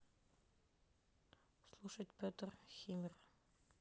слушать петр химера